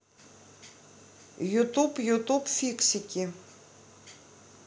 ютуб ютуб фиксики